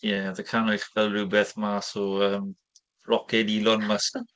Ie, oedd y cannwyll fel rywbeth mas o, yym, roced Elon Musk !